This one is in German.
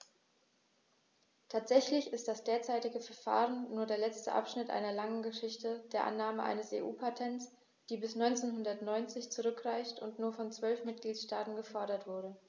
Tatsächlich ist das derzeitige Verfahren nur der letzte Abschnitt einer langen Geschichte der Annahme eines EU-Patents, die bis 1990 zurückreicht und nur von zwölf Mitgliedstaaten gefordert wurde.